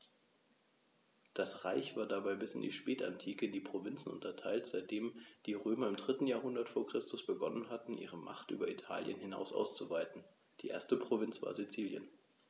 Das Reich war dabei bis in die Spätantike in Provinzen unterteilt, seitdem die Römer im 3. Jahrhundert vor Christus begonnen hatten, ihre Macht über Italien hinaus auszuweiten (die erste Provinz war Sizilien).